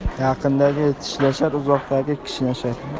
yaqindagi tishlashar uzoqdagi kishnashar